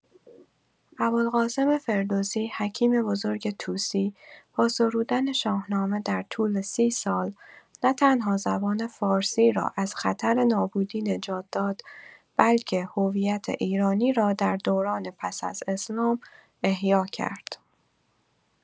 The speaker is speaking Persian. ابوالقاسم فردوسی، حکیم بزرگ توسی، با سرودن شاهنامه در طول سی سال، نه‌تنها زبان فارسی را از خطر نابودی نجات داد بلکه هویت ایرانی را در دوران پس از اسلام احیا کرد.